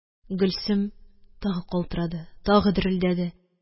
Гөлсем тагы калтырады, тагы дерелдәде